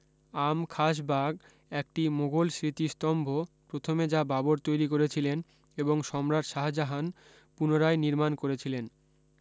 আম খাস বাগ একটি মোগল স্মৃতিস্তম্ভ প্রথমে যা বাবর তৈরী করেছিলেন এবং সম্রাট শাহ জাহান পুনরায় নির্মাণ করেছিলেন